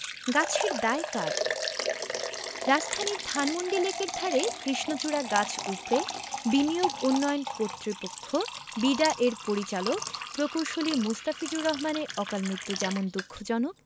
গাছের দায় কার রাজধানীর ধানমন্ডি লেকের ধারে কৃষ্ণচূড়া গাছ উপড়ে বিনিয়োগ উন্নয়ন কর্তৃপক্ষ বিডা এর পরিচালক প্রকৌশলী মোস্তাফিজুর রহমানের অকালমৃত্যু যেমন দুঃখজনক